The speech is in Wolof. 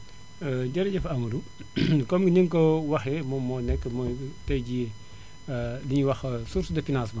jërëjëf amadou comme ni nga koo waxee moom moo nekk mooy tey jii li ñuy wax source de financement